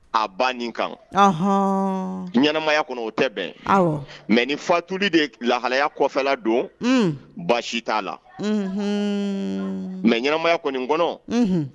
A ban nin kan ɲɛnamaya kɔnɔ o tɛ bɛn mɛ nin fatuli de lahayafɛla don baasi t'a la mɛ ɲɛnamaya kɔni kɔnɔ